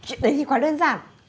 chuyện đấy thì quá đơn giản